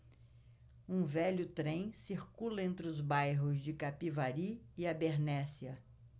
um velho trem circula entre os bairros de capivari e abernéssia